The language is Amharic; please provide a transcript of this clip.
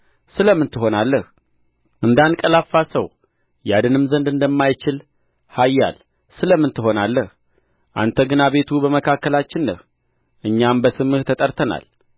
ስለ ምን ትሆናለህ እንዳንቀላፋ ሰው ሰው ያድንም ዘንድ እንደማይችል ኃያል ስለ ምን ትሆናለህ አንተ ግን አቤቱ በመካከላችን ነህ እኛም በስምህ ተጠርተናል